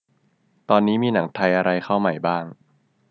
ตอนนี้มีหนังไทยอะไรเข้าใหม่บ้าง